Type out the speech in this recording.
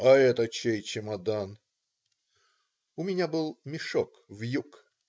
- "А это чей чемодан?" (у меня был мешок-вьюк).